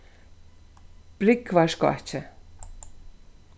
brúgvarskákið